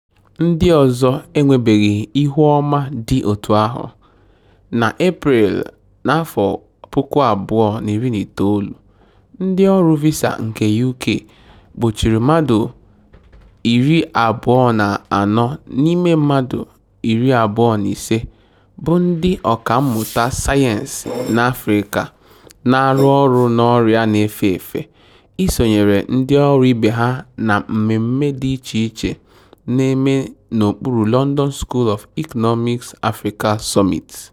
Ndị ọzọ enwebeghị ihu ọma dị otú ahụ. Na Eprel 2019, ndị ọrụ visa nke UK gbochiri mmadụ 24 n'ime mmadụ 25 bụ ndị ọkàmmụta sayensị n' Afrịka na-arụ ọrụ n'ọrịa na-efe efe isonyere ndịọrụ ibe ha na mmemme dị icheiche na-eme n'okpuru London School of Economics Africa Summit.